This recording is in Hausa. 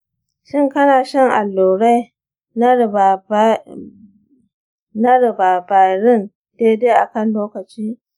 shin kana shan allurai na ribavirin daidai a kan lokaci?